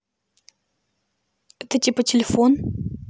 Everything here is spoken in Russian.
это типа телефон